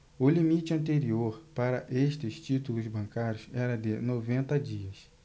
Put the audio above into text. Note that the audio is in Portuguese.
o limite anterior para estes títulos bancários era de noventa dias